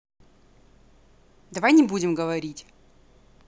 давай не будем говорить